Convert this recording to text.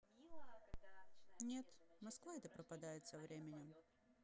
нет москва это пропадет со временем